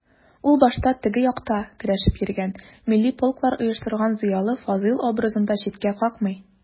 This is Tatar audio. Ул башта «теге як»та көрәшеп йөргән, милли полклар оештырган зыялы Фазыйл образын да читкә какмый.